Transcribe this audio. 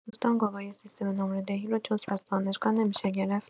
دوستان گواهی سیستم نمره‌دهی رو جز از دانشگاه نمی‌شه گرفت؟